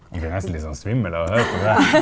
jeg blir nesten litt sånn svimmel av å høre på det der.